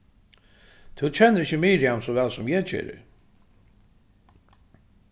tú kennir ikki miriam so væl sum eg geri